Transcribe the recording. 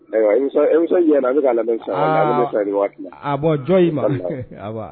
Sa an bɛ' lamɛn sa jɔn ma